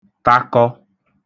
takọ